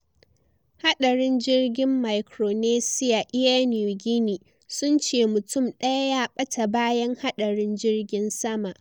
Hadarin Jirgin Micronesia Air Niugini sun ce mutum daya ya bata bayan hadarin jirgin sama